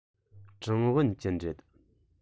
ཀྲང ཝུན ཅུན རེད